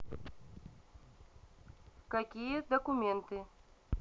какие документы